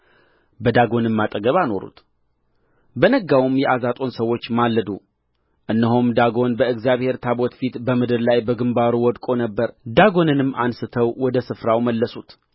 በዳጎንም አጠገብ አኖሩት በነጋውም የአዛጦን ሰዎች ማለዱ እነሆም ዳጎን በእግዚአብሔር ታቦት ፊት በምድር ላይ በግምባሩ ወድቆ ነበር ዳጎንንም አንሥተው ወደ ስፍራው መለሱት